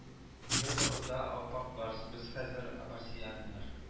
Гербыбызда ап-ак барс без хәзер барсианнар